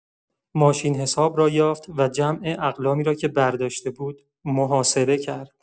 ماشین‌حساب را یافت و جمع اقلامی را که برداشته بود، محاسبه کرد.